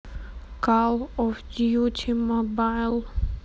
кал оф дьюти мобайл